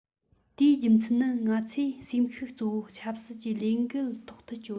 དེའི རྒྱུ མཚན ནི ང ཚོས སེམས ཤུགས གཙོ བོ ཆབ སྲིད ཀྱི ལས འགུལ ཐོག ཏུ སྤྱད